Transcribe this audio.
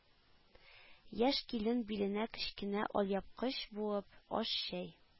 Яшь килен, биленә кечкенә алъяпкыч буып, аш-чәй